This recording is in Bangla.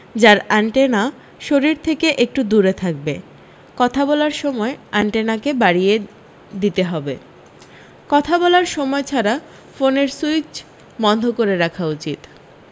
যার আণ্টেনা শরীর থেকে একটু দূরে থাকবে কথা বলার সময় আণ্টেনাকে বাড়িয়ে দিতে হবে কথা বলার সময় ছাড়া ফোনের সুইচ বন্ধ রাখা উচিত